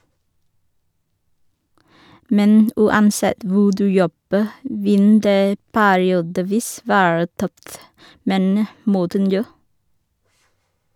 Men uansett hvor du jobber, vil det periodevis være tøft, mener Morten Njå.